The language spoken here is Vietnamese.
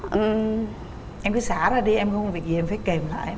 em em cứ xả ra đi em không việc gì em phải kiềm lại